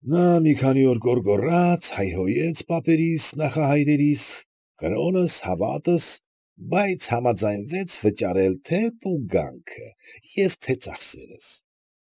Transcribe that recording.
Նա մի քանի օր գոռգոռաց, հայհոյեց պապերիս, նախահայրերիս, կրոնս, հավատս, բայց համաձայնվեց վճարել թե տուգանքը և թե ծախսերս։